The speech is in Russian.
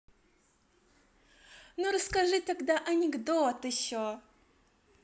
ну расскажи тогда анекдот еще